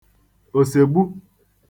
òsègbu